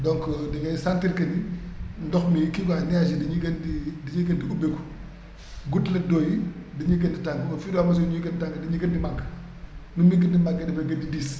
donc da ngay sentir que ni ndox mi kii quoi nuages yi dañuy gën di dañuy gën di ubbeeku goutelettes d' eau yi dañuy gën di tàng au fur et à mesure ñuy gën di tàng dañuy gën di màgg nu muy gën di màggee dafay gën a diis